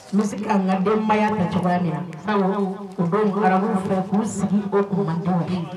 Misi ka nka denbayaya fɛ cogoya min na u bɛ gaw fɛ k' sigi odenw